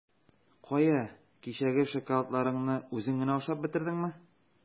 Кая, кичәге шоколадларыңны үзең генә ашап бетердеңме?